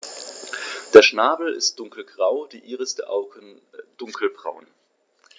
Der Schnabel ist dunkelgrau, die Iris der Augen dunkelbraun.